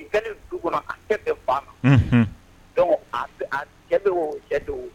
Kɛlen du kɔnɔ a kɛlen bɛ fa dɔnku o don